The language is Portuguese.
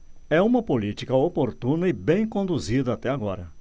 é uma política oportuna e bem conduzida até agora